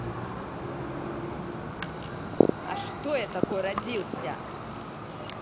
а что я такой родился